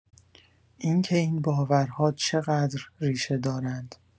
اینکه این باورها چقدر ریشه‌دارند.